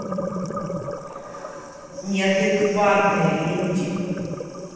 неадекватные люди